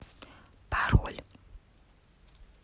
пароль